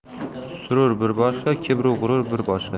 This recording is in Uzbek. surur bir boshqa kibr u g'urur bir boshqa